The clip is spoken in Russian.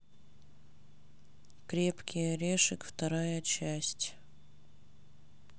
крепкий орешек вторая часть